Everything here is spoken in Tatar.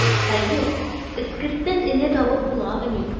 Хәер, эскерттән энә табып буламыни.